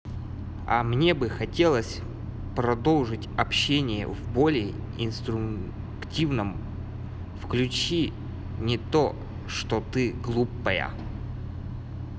а мне бы хотелось продолжить общение в более инструктивном включи не то что ты глупая